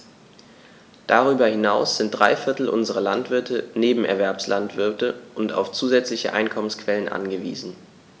Darüber hinaus sind drei Viertel unserer Landwirte Nebenerwerbslandwirte und auf zusätzliche Einkommensquellen angewiesen.